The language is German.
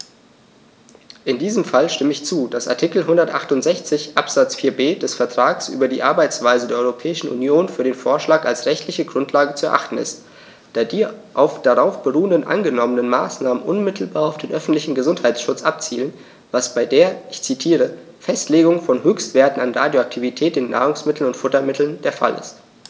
In diesem Fall stimme ich zu, dass Artikel 168 Absatz 4b des Vertrags über die Arbeitsweise der Europäischen Union für den Vorschlag als rechtliche Grundlage zu erachten ist, da die auf darauf beruhenden angenommenen Maßnahmen unmittelbar auf den öffentlichen Gesundheitsschutz abzielen, was bei der - ich zitiere - "Festlegung von Höchstwerten an Radioaktivität in Nahrungsmitteln und Futtermitteln" der Fall ist.